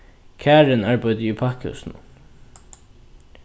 karin arbeiddi í pakkhúsinum